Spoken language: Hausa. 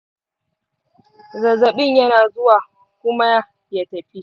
zazzaɓin yana zuwa kuma ya tafi.